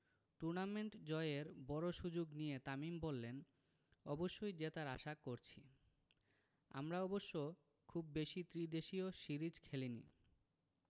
tournament জয়ের বড় সুযোগ নিয়ে তামিম বললেন অবশ্যই জেতার আশা করছি আমরা অবশ্য খুব বেশি ত্রিদেশীয় সিরিজ খেলেনি